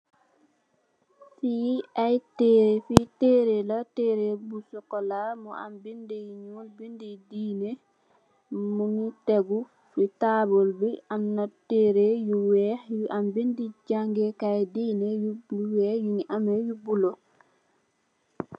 Le ai tere la.tere yu sokola mu am binda ñul binda yu dinna mugi tekgu si table am na tere yu weyh yu am binda jange kai yei dinna bu weex mu ameh lu bolo.